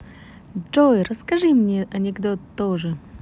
джой расскажи мне анекдот тоже